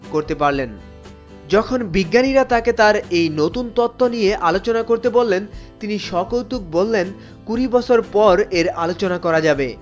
করতে পারলেন যখন বিজ্ঞানীরা তাকে তার এই নতুন তত্ত্ব নিয়ে আলোচনা করতে বললেন তিনি সকৌতুকে বললেন কুড়ি বছর পর এর আলোচনা করা যাবে